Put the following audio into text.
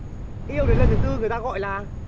yêu đến lần thứ tư người ta gọi là